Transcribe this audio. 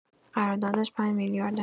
قراردش ۵ میلیارده